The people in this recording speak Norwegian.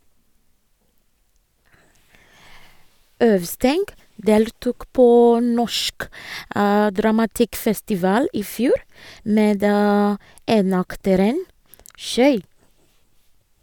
Øvsteng deltok på Norsk Dramatikkfestival i fjor, med enakteren "Køyr!".